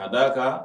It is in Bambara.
Ka d'a kan